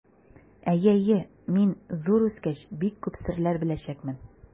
Әйе, әйе, мин, зур үскәч, бик күп серләр беләчәкмен.